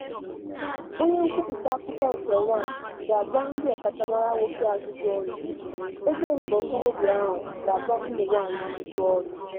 Onye ngụpụta akụkọ nke nwaanyị ga-agba ndị ọkachamara nwoke ajụjụọnụ, ebe nke okorobịa ahụ ga-agba ụmụnwaanyị ajụjụọnụ.